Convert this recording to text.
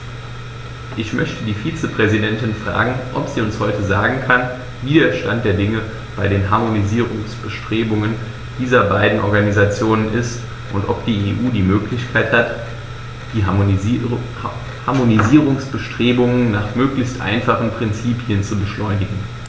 Ich möchte die Vizepräsidentin fragen, ob sie uns heute sagen kann, wie der Stand der Dinge bei den Harmonisierungsbestrebungen dieser beiden Organisationen ist, und ob die EU die Möglichkeit hat, die Harmonisierungsbestrebungen nach möglichst einfachen Prinzipien zu beschleunigen.